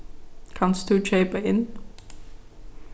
kanst tú keypa inn